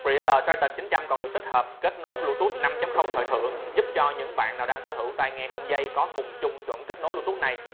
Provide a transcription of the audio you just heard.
predator triton còn được tích hợp kết nối bluetooth thời thượng giúp cho những bạn nào đang sở hữu tai nghe không dây có cùng chung chuẩn kết nối bluetooth này